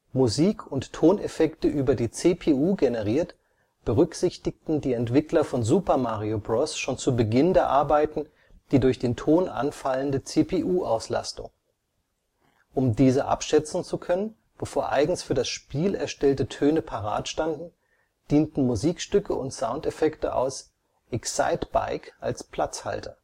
Musik und Toneffekte über die CPU generiert, berücksichtigten die Entwickler von Super Mario Bros. schon zu Beginn der Arbeiten die durch den Ton anfallende CPU-Auslastung. Um diese abschätzen zu können, bevor eigens für das Spiel erstellte Töne parat standen, dienten Musikstücke und Soundeffekte aus Excitebike als Platzhalter